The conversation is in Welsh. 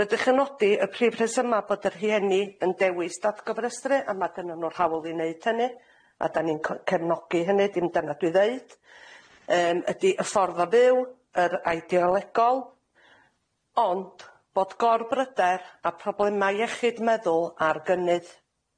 Rydych yn nodi y prif rhesyma' bod y rhieni yn dewis datgofrestru a ma' gynnon n'w'r hawl i neud hynny a dan ni'n co- cefnogi hynny dim dyna dwi ddeud, yym ydi y ffordd o fyw yr idealegol ond bod gorbryder a problemau iechyd meddwl ar gynnydd.